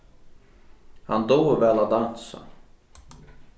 hann dugir væl at dansa